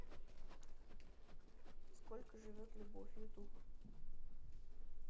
сколько живет любовь ютуб